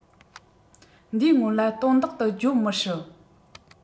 འདིའི སྔོན ལ དོན དག འདི བརྗོད མི སྲིད